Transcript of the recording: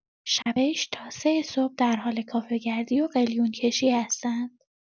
شبش تا ۳ صبح در حال کافه‌گردی و قلیون‌کشی هستند.